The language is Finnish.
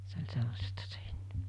se oli sellaista se ennen